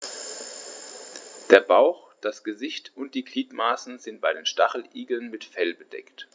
Der Bauch, das Gesicht und die Gliedmaßen sind bei den Stacheligeln mit Fell bedeckt.